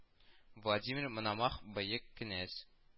Владимир Мономах - бөек кенәз